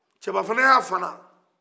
cɛba fana ye a fana